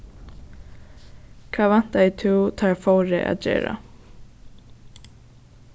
hvat væntaði tú teir fóru at gera